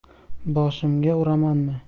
boshimga uramanmi